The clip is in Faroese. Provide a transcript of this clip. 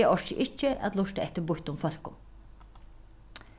eg orki ikki at lurta eftir býttum fólkum